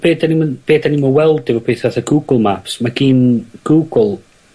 be' 'dyn ni'm yn be' 'dyn ni'm yn weld efo peth fatha Google Maps ma gin Google